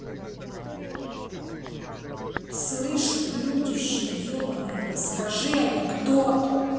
слышу блюдище ебаное расскажи анекдот